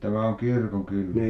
ja tämä on kirkonkylää